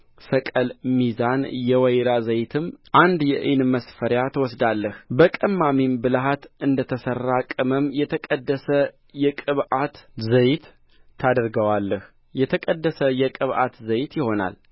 ሰቅል ሚዛን የወይራ ዘይትም አንድ የኢን መስፈሪያ ትወስዳለህ በቀማሚም ብልሃት እንደ ተሠራ ቅመም የተቀደሰ የቅብዓት ዘይት ታደርገዋለህ የተቀደሰ የቅብዓት ዘይት ይሆናል